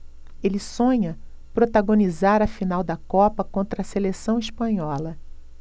ele sonha protagonizar a final da copa contra a seleção espanhola